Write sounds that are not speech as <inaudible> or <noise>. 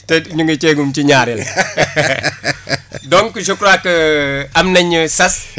te ñu ngi cee gum ci ñaareel <laughs> donc je crois que <hesitation> am nañ sas